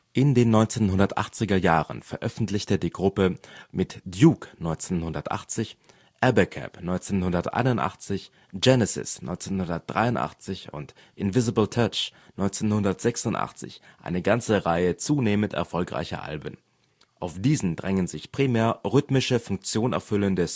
In den 1980er Jahren veröffentlichte die Gruppe mit Duke (1980), Abacab (1981), Genesis (1983) und Invisible Touch (1986) eine ganze Reihe zunehmend erfolgreicher Alben. Auf diesen drängen sich primär rhythmische Funktion erfüllende